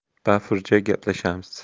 bafurja gaplashamiz